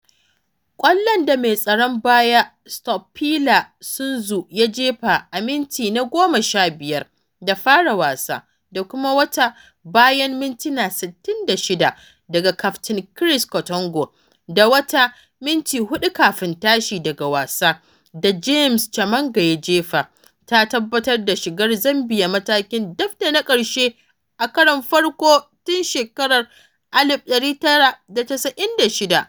Ƙwallon da mai tsaron baya Stopilla Sunzu ya jefa a minti na goma sha biyar da fara wasa, da kuma wata bayan mintuna 66 daga kaftin Chris Katongo, da wata minti huɗu kafin tashi daga wasa da James Chamanga ya jefa, ta tabbatar da shigar Zambiya matakin daf dana ƙarshe a karon farko tun shekarar 1996.